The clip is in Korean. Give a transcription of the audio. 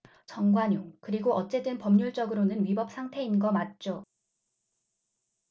정관용 그리고 어쨌든 법률적으로는 위법 상태인 거 맞죠